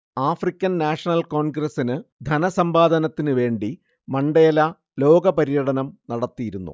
African national കോൺഗ്രസ്സിന് ധനസമ്പാദനത്തിനു വേണ്ടി മണ്ടേല ലോകപര്യടനം നടത്തിയിരുന്നു